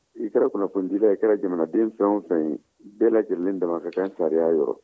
i kɛra kunnafonidila ye i kɛra jamaden fɛn o fɛn ye bɛɛ lajɛlen dama ka kan sariya yɔrɔ